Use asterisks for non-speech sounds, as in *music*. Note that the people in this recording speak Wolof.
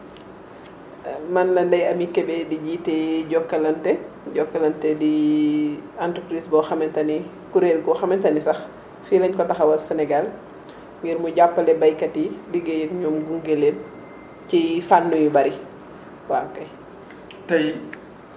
asalaamaaleykum *hesitation* man la Ndeye amy Kébé di jiite Jokalante Jokalante di *hesitation* entreprise boo xamante ni kuréel goo xamante ni sax fii la ñu ko taxawal Sénégal ngir mu jàppale béykat yi liggéey ak ñoom gunge leen ci fànn yu bëri waaw kay